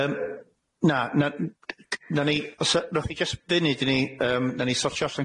Yym na na na' ni os a- newch chi jyst munud i ni yym nawn ni sortio allan cyflwyniad mwy cryno